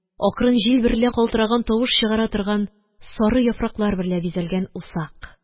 Акрын җил берлә кылтыраган тавыш чыгара торган сары яфраклар берлә бизәлгән усак